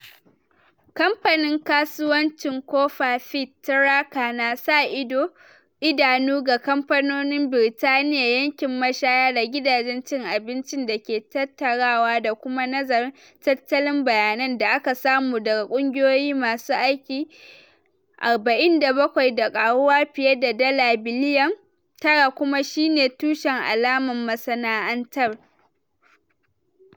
Kamfanin Kasuwancin Coffer Peach Tracker na sa idanu ga kamfanonin Birtaniya, yankin mashaya da gidajen cin abinci da ke tattarawa da kuma nazarin tattalin bayanan da aka samu daga kungiyoyi masu aiki 47, da karuwar fiye da dala biliyan 9,kuma shi ne tushen alamar masana'antar.